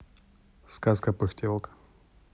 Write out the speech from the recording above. сказка пыхтелка